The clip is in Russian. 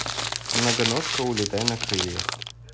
многонотка улетай на крыльях